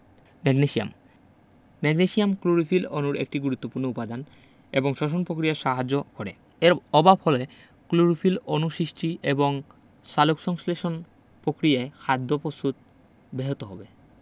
magnesium magnesium chlorophyll অণুর একটি গুরুত্বপুর্ণ উপাদান এবং শ্বসন প্রক্রিয়ায় সাহায্য করে এর অভাব হলে ক্লোরোফিল অণু সৃষ্টি এবং সালোকসংশ্লেষণ প্রক্রিয়ায় খাদ্য প্রস্তুত ব্যাহত হবে